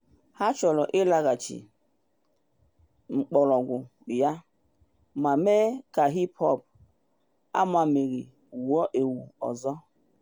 Ha chọrọ ịlaghachi na mgbọrọgwụ ya ma mee ka hip hop amamịghe wuo ewu ọzọ.